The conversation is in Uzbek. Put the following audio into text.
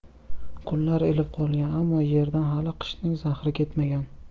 kunlar ilib qolgan ammo yerdan hali qishning zahri ketmagan